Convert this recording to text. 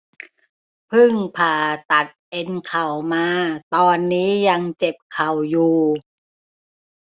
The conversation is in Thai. พึ่งผ่าตัดเอ็นเข่ามาตอนนี้ยังเจ็บเข่าอยู่